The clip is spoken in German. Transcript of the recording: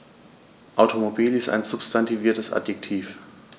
Automobil ist ein substantiviertes Adjektiv.